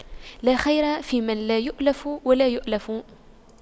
لا خير فيمن لا يَأْلَفُ ولا يؤلف